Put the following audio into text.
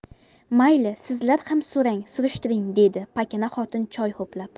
mayli sizlar ham so'rang surishtiring dedi pakana xotin choy ho'plab